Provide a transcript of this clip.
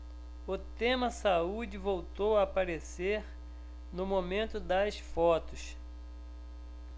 o tema saúde voltou a aparecer no momento das fotos